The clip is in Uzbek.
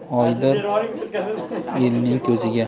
so'ziga oydir elning ko'ziga